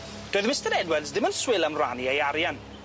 Doedd Mistar Edwards ddim yn swil am rannu ei arian.